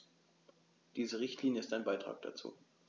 Diese Richtlinie ist ein Beitrag dazu.